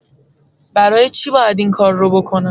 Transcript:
برای چی باید این کار رو بکنم؟